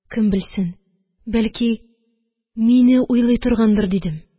Кем белсен, бәлки, мине уйлый торгандыр, дидем.